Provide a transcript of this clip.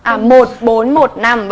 à một bốn một năm